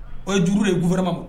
O ye juru de ye g wɛrɛma ma